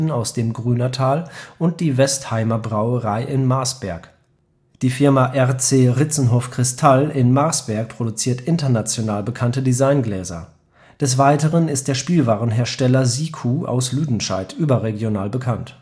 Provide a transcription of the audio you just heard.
aus dem Grüner Tal und die Westheimer Brauerei in Marsberg. Die Firma RC Ritzenhoff Cristall in Marsberg produziert international bekannte Design-Gläser. Des Weiteren ist der Spielwarenhersteller SIKU aus Lüdenscheid überregional bekannt